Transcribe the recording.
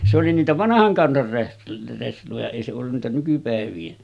se oli niitä vanhan kansan - resloja ei se ollut näitä nykypäivien